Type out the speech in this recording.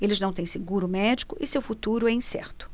eles não têm seguro médico e seu futuro é incerto